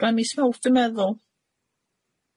Rhaglan mis Mawrth dwi meddwl.